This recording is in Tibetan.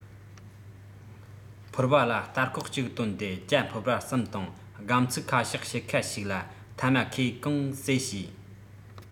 ཕོར བ ལ སྟར ཁོག ཅིག བཏོན ཏེ ཇ ཕོར པ གསུམ བཏུངས སྒམ ཚིག ཁ བཤགས ཕྱེད ཁ ཞིག ལ ཐ མ ཁའི གང ཟེ བྱས